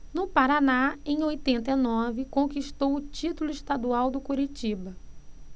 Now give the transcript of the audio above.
no paraná em oitenta e nove conquistou o título estadual no curitiba